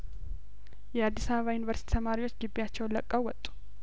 የአዲስ አበባ ዩኒቨርስቲ ተማሪዎች ግቢያቸውን ለቀውወጡ